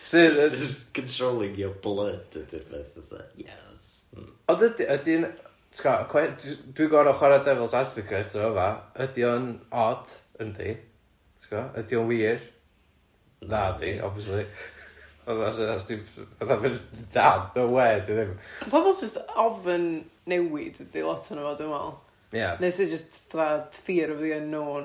Sydd yn... Controlling your blood ydy'r peth fatha ie that's hmm. Ond yd- ydyn ti'bod cweit j- dwi'n gor'o' chwarae devil's advocate yn fa'ma ydi o'n od, yndi, ti'bod, ydi o'n wir, na'di obviously fatha sy'n asti- fatha myn- na no way 'dio ddim... Pobol jyst ofyn newid ydi lot ohono fo dwi'n meddwl... Ia ...neu sy' jyst fatha fear of the unknown,